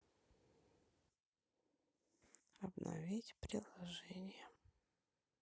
обновить приложение